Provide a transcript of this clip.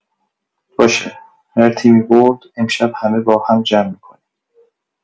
باشه، هر تیمی برد، امشب همه با هم جمع می‌کنیم.